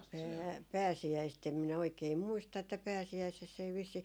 - pääsiäistä en minä oikein muista että pääsiäisessä ei vissiin